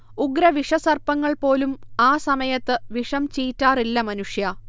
ഉഗ്രവിഷസർപ്പങ്ങൾ പോലും ആ സമയത്ത് വിഷം ചീറ്റാറില്ല മനുഷ്യാ